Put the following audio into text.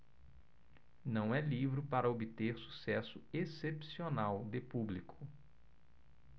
não é livro para obter sucesso excepcional de público